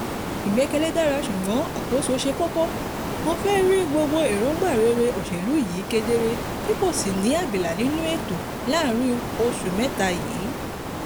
"Ìgbẹ́kẹ̀lé dára, ṣùgbọ́n àkóso ṣe kókó!" [..] mo fẹ́ rí gbogbo èròńgbà rere òṣèlú yìí kedere tí kò sì ní abìlà nínú ètò láàárín oṣù mẹ́ta yìí!